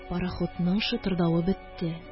Парахутның шытырдавы бетте